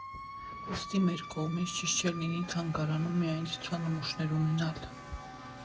Ուստի, մեր կողմից ճիշտ չէր լինի թանգարանում միայն ցուցանմուշներ ունենալ.